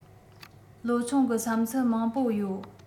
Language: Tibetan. ལོ ཆུང གི བསམ ཚུལ མང པོ ཡོད